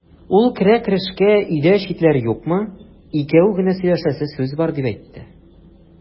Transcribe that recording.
Ул керә-керешкә: "Өйдә читләр юкмы, икәү генә сөйләшәсе сүз бар", дип әйтте.